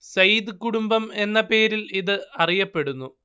സയ്യിദ് കുടുംബം എന്ന പേരിൽ ഇത് അറിയപ്പെടുന്നു